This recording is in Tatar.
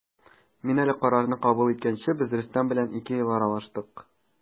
Мин әлеге карарны кабул иткәнче без Рөстәм белән ике ел аралаштык.